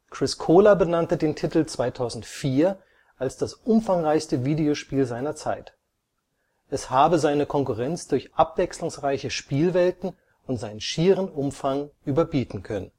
Chris Kohler benannte den Titel 2004 als das umfangreichste Videospiel seiner Zeit. Es habe seine Konkurrenz durch abwechslungsreiche Spielwelten und seinen schieren Umfang überbieten können